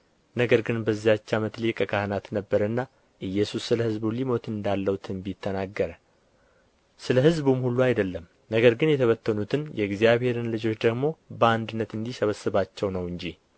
ነገር ግን በዚያች ዓመት ሊቀ ካህናት ነበረና ኢየሱስ ስለ ሕዝቡ ሊሞት እንዳለው ትንቢት ተናገረ ስለ ሕዝቡም ሁሉ አይደለም ነገር ግን የተበተኑትን የእግዚአብሔርን ልጆች ደግሞ በአንድነት እንዲሰበስባቸው ነው እንጂ